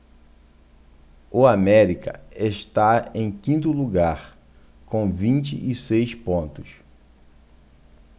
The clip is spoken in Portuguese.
o américa está em quinto lugar com vinte e seis pontos